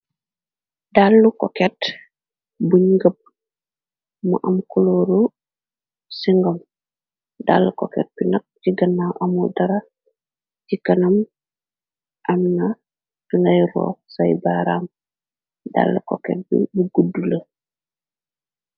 dàllu koket buñ ngëpb mu am kulooru singom dall koket bi naq ci ganna amul dara ci kanam am na tungay roox say baaraam dall koket bi bu guddu le